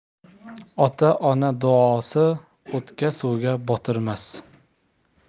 ota ona duosi o'tga suvga botirmas